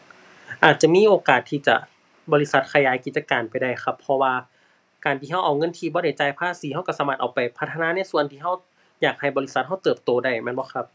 อาจจะมีโอกาสที่จะบริษัทขยายกิจการไปได้ครับ เพราะว่าการที่เราเอาเงินที่บ่ได้จ่ายภาษี เราเราสามารถเอาไปพัฒนาในส่วนที่เราอยากให้บริษัทเราเติบโตได้ แม่นบ่ครับ